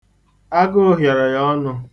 Agụụ hịọrọ ya ọnụ.